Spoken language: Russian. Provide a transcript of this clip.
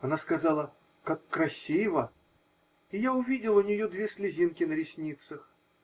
она сказала: "Как красиво!" -- и я увидел у нее две слезинки на ресницах